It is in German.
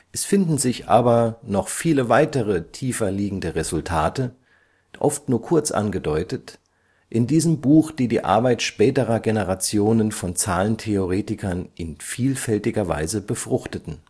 Es finden sich aber noch viele weitere tiefliegende Resultate, oft nur kurz angedeutet, in diesem Buch, die die Arbeit späterer Generationen von Zahlentheoretikern in vielfältiger Weise befruchteten